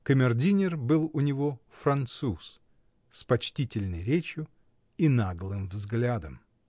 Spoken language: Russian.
Камердинер был у него француз с почтительной речью и наглым взглядом.